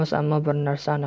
ammo bir narsa aniq edi